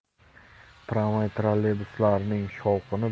tramvay trolleybuslarning shovqini